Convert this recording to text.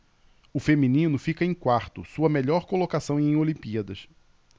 o feminino fica em quarto sua melhor colocação em olimpíadas